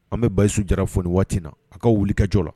An bɛ bayisu Jara fo nin waati in na a ka wuli ka jɔ la.